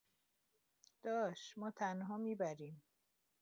داش ما تنها می‌بریم